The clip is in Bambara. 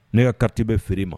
Ne ka kati bɛ feere ma